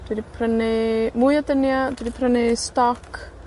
Dwi 'di prynu mwy o dynia. dwi 'di prynu stoc.